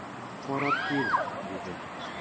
Карап кил,– диде.